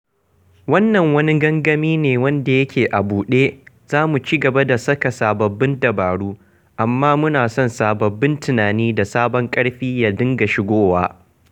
Wannan wani gangami ne wanda yake a buɗe - za mu cigaba da saka sababbin dabaru, amma muna son sababbin tunani da sabon ƙarfi ya dinga shigowa.